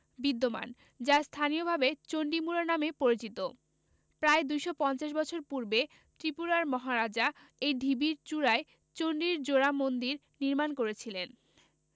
বিদ্যমান যা স্থানীয়ভাবে চণ্ডী মুড়া নামে পরিচিত প্রায় ২৫০ বছর পূর্বে ত্রিপুরার মহারাজা এই ঢিবির চূড়ায় চণ্ডীর জোড়া মন্দির নির্মাণ করেছিলেন